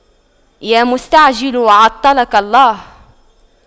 يا مستعجل عطلك الله